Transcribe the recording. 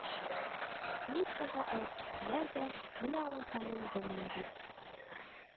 Ницага алып киттеләр дә, менә аның хәлен белим дип